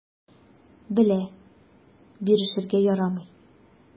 Белә: бирешергә ярамый.